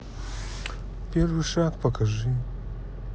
первый шаг покажи